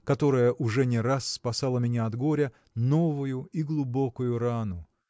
которая уже не раз спасала меня от горя новую и глубокую рану?